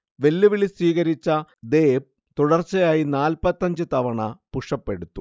വെല്ലുവിളി സ്വീകരിച്ച ദേബ് തുടർച്ചയായി നാല്‍പ്പത്തിയഞ്ച് തവണ പുഷ്അപ് എടുത്തു